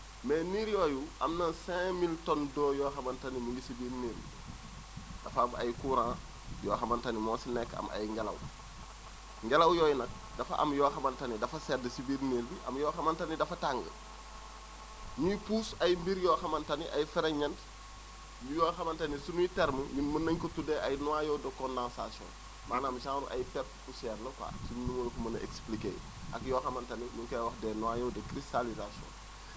mais niir yooyu am na 5000 tonnes d' eau yoo xamante ni ñu ngi si biir niir yi dafa am ay courants yoo xamante ni moo si nekk am ay ngelaw ngelaw yooyu nag dafa am yoo xamante ni dafa sedd si biir niir bi am yoo xamante ni dafa tàng ñuy puus ay mbir yoo xamante ni ay fereñeent yoo xamante ni suñuy termes ñun mën nañu ko tuddee ay noyaux de condensation maanaam genre ru ay pepp poussière la quoi si nu ma la ko mën a expliqué ak yoo xamante ni ñu ngi koy wax des noyaux de cristalisation